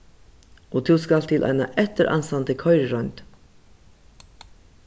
og tú skalt til eina eftiransandi koyriroynd